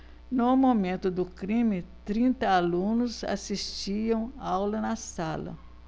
no momento do crime trinta alunos assistiam aula na sala